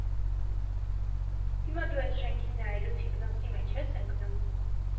Հիմա դու էս շենքին նայելուց հիպնոսի մեջ ես ընկնու՞մ…